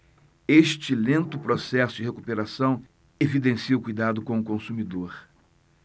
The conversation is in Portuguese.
este lento processo de recuperação evidencia o cuidado com o consumidor